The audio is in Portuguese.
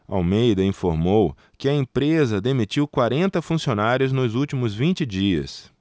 almeida informou que a empresa demitiu quarenta funcionários nos últimos vinte dias